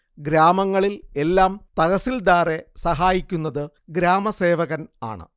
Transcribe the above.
ഗ്രാമങ്ങളിൽ എല്ലാം തഹസിൽദാറെ സഹായിക്കുന്നത് ഗ്രാമസേവകൻ ആണ്